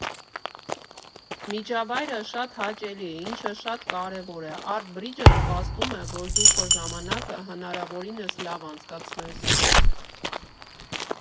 Միջավայրը շատ հաճելի է, ինչը շատ կարևոր է, Արտ Բրիջը նպաստում է, որ դու քո ժամանակը հնարավորինս լավ անցկացնես։